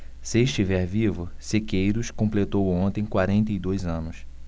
se estiver vivo sequeiros completou ontem quarenta e dois anos